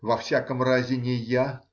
Во всяком разе не я.